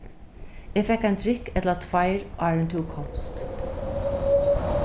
eg fekk ein drykk ella tveir áðrenn tú komst